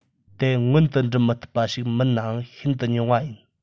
དེ མངོན དུ འགྲུབ མི ཐུབ པ ཞིག མིན ནའང ཤིན ཏུ ཉུང བ ཡིན